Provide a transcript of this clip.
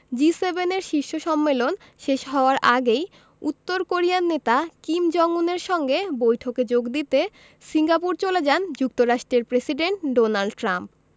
জি ৭ এর শীর্ষ সম্মেলন শেষ হওয়ার আগেই উত্তর কোরিয়ার নেতা কিম জং উনের সঙ্গে বৈঠকে যোগ দিতে সিঙ্গাপুরে চলে যান যুক্তরাষ্ট্রের প্রেসিডেন্ট ডোনাল্ড ট্রাম্প